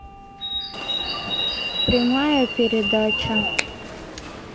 прямая передача